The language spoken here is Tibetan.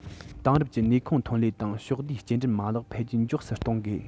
དེང རབས ཀྱི ནུས ཁུངས ཐོན ལས དང ཕྱོགས བསྡུས སྐྱེལ འདྲེན མ ལག འཕེལ རྒྱས མགྱོགས སུ གཏོང དགོས